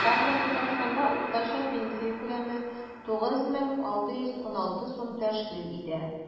Хәзер Татарстанда уртача пенсия күләме 9616 сум тәшкил итә.